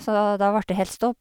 Så da da vart det helt stopp.